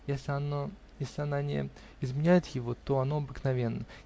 если она не изменяет его, то оно обыкновенно